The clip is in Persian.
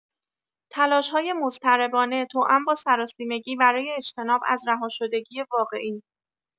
تلاش‌های مضطربانه توام با سراسیمگی برای اجتناب از رهاشدگی واقعی